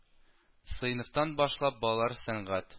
Сыйныфтан башлап балалар сәнгать